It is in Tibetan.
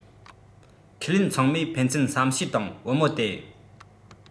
ཁས ལེན ཚང མས ཕན ཚུན བསམ ཤེས དང བུ མོ སྟེ